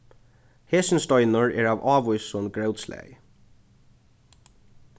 hesin steinur er av avísum grótslagi